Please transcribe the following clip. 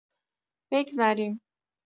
بگذریم!